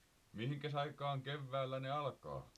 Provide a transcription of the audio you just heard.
mihinkäs aikaan keväällä ne alkaa